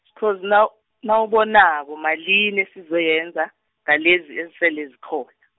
sikhozi na- nawubonako malini esizoyenza, ngalezi esele zikhona.